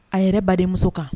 A yɛrɛ badenmuso kan